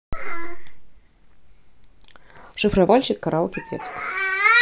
шифровальщик караоке текст